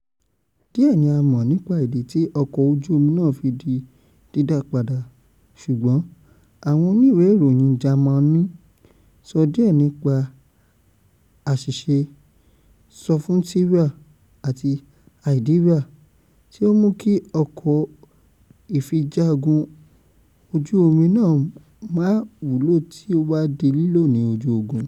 Díẹ̀ ní a mọ̀ nípa ìdí tí ọkọ̀ ojú omi náà fi di dídá padà, ṣùgbọ́n àwọn oníwè ìròyìn jámànù sọ díẹ nípa “àṣìṣe sọ́fútìwíà àti hádìwíà” tí ó mú kí ọkọ̀ ìfijagun ojú omi náà má wúlò tí ó bá di lílò ní ojú ogun.